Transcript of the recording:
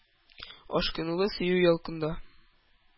Ашкынулы сөю ялкынында